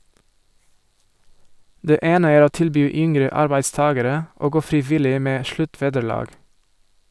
Det ene er å tilby yngre arbeidstagere å gå frivillig med sluttvederlag.